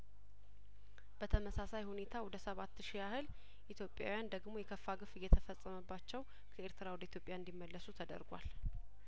በተመሳሳይ ሁኔታ ወደ ሰባት ሺ ያህል ኢትዮጵያውያን ደግሞ የከፋ ግፍ እየተፈጸመባቸው ከኤርትራ ወደ ኢትዮጵያ እንዲመለሱ ተደርጓል